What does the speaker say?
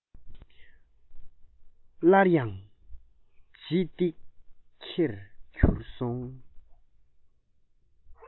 སླར ཡང ལྗིད ཏིག གེར གྱུར སོང